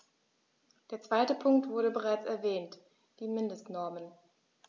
Der zweite Punkt wurde bereits erwähnt: die Mindestnormen.